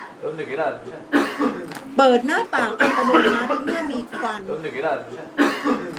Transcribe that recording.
เปิดหน้าต่างอัตโนมัติเมื่อมีควัน